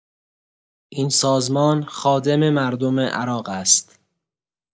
این سازمان خادم مردم عراق است.